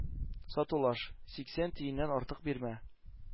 Сатулаш, сиксән тиеннән артык бирмә.